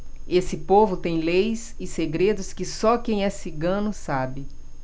esse povo tem leis e segredos que só quem é cigano sabe